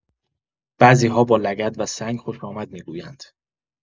بعضی‌ها با لگد و سنگ خوش‌آمد می‌گویند.